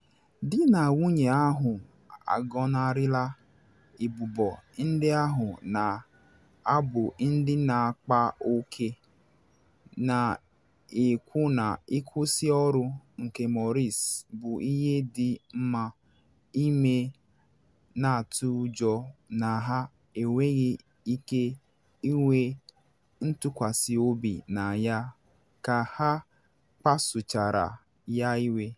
Di na nwunye ahụ agọnarịla ebubo ndị ahụ na ha bụ ndị na akpa oke, na ekwu na ịkwụsị ọrụ nke Maurice bụ ihe dị mma ịme, na atụ ụjọ na ha enweghị ike ịnwe ntụkwasị obi na ya ka ha kpasuchara ya iwe.